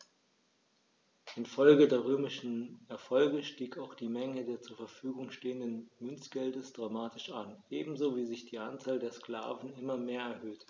Infolge der römischen Erfolge stieg auch die Menge des zur Verfügung stehenden Münzgeldes dramatisch an, ebenso wie sich die Anzahl der Sklaven immer mehr erhöhte.